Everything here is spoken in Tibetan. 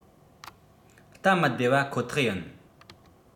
སྟབ མི བདེ བ ཁོ ཐག ཡིན